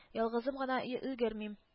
Ялгызым гына й өлгермим